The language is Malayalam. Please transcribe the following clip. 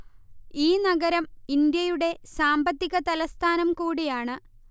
ഈ നഗരം ഇന്ത്യയുടെ സാമ്പത്തിക തലസ്ഥാനം കൂടിയാണ്